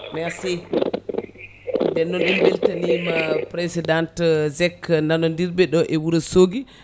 merci nden noon en beltanima présidente zeg nanodirɓe ɗo e Wourossogui